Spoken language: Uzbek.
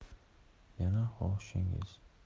yana xohishingiz